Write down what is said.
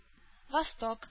Восток